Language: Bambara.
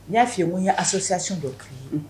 N y'a fi mun ye asonsiyasi dɔ k'i ye